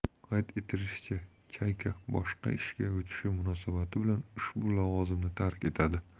qayd etilishicha chayka boshqa ishga o'tishi munosabati bilan ushbu lavozimni tark etadi